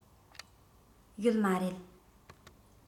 ཡོད མ རེད